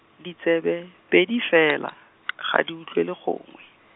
ditsebe, pedi fela, ga di utlwele gongwe.